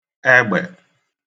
ẹgbẹ̀